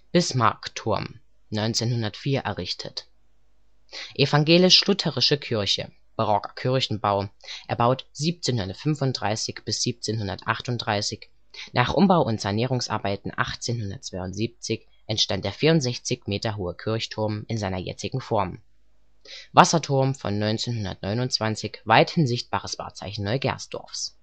Bismarckturm, 1904 errichtet Evangelisch-Lutherische Kirche: barocker Kirchenbau, erbaut 1735 bis 1738; nach Umbau - und Sanierungsarbeiten 1872 entstand der 64 Meter hohe Kirchturm (jetzige Form) Wasserturm von 1929, weithin sichtbares Wahrzeichen Neugersdorfs